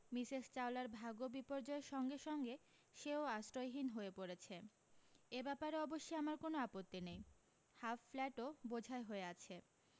Mrs চাওলার ভাগ্য বিপর্য্যয়ের সঙ্গে সঙ্গে সেও আশ্রয়হীন হয়ে পড়েছে এ ব্যাপারে অবশ্যি আমার কোন আপত্তি নাই হাফ ফ্ল্যাটও বোঝাই হয়ে আছে